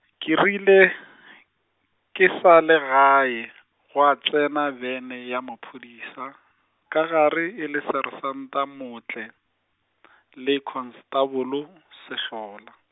ke rile , ke sa le gae , gwa tsena bene ya maphodisa, ka gare e le Sersanta Motlae , le Konstabolo, Sehlola.